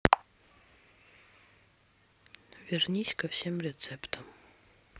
вернись ко всем рецептам